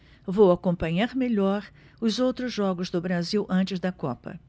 vou acompanhar melhor os outros jogos do brasil antes da copa